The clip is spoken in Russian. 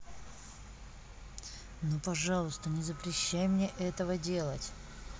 ну пожалуйста не запрещай мне этого делать